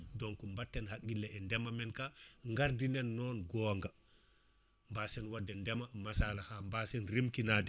donc batten haqqille e ndeema men ka gardinen noon gonga basen wadde ndeema masalaha basen reemkinade